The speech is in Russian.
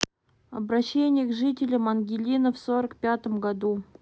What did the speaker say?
обращение к жителям ангелина в сорок пятом году